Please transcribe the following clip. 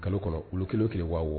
Kalo kɔnɔ olu kelen kelen wa